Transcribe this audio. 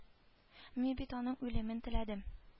Мин бит аның үлемен теләдем